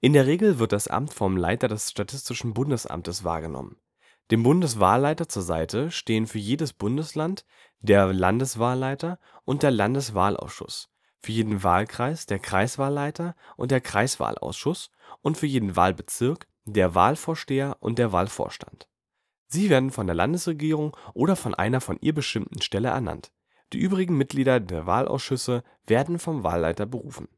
der Regel wird das Amt vom Leiter des Statistischen Bundesamtes wahrgenommen. Dem Bundeswahlleiter zur Seite stehen für jedes Bundesland der Landeswahlleiter und der Landeswahlausschuss, für jeden Wahlkreis der Kreiswahlleiter und der Kreiswahlausschuss und für jeden Wahlbezirk der Wahlvorsteher und der Wahlvorstand. Sie werden von der Landesregierung oder von einer von ihr bestimmten Stelle ernannt. Die übrigen Mitglieder der Wahlausschüsse werden vom Wahlleiter berufen